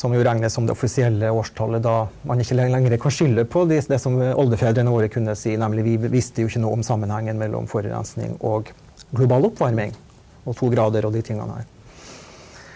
som jo regnes som det offisielle årstallet da man ikke lengre kan skylde på de det som oldeforeldrene våre kunne si nemlig vi vi visste jo ikke noe om sammenhengen mellom forurensning og global oppvarming og to grader og de tingene der.